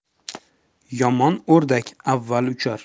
yomon o'rdak avval uchar